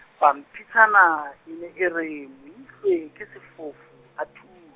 pampitshana, e ne e re, Moihlwe, ke sefofu, a thu-.